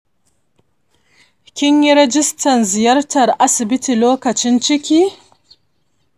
kin yi rijistan ziyartar asibiti lokacin ciki?